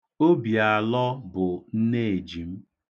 Obialọ bụ nneeji m.